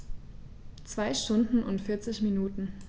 2 Stunden und 40 Minuten